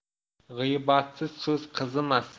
g'iybatsiz so'z qizimas